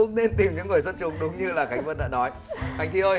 cũng nên tìm những người xuất chúng đúng như là khánh vân đã nói khánh vy ơi